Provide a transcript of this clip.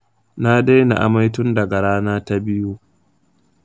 na daina amai tun daga rana ta biyu.